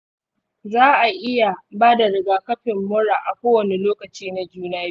za a iya ba da rigakafin mura a kowane lokaci na juna biyu.